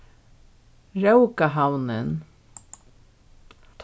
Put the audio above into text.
rókahavnin